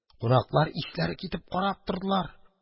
Кунаклар исләре китеп карап тордылар.